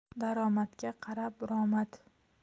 daromadga qarab buromad